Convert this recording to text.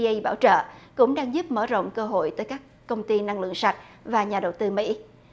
ây bảo trợ cũng đang giúp mở rộng cơ hội tới các công ty năng lượng sạch và nhà đầu tư mỹ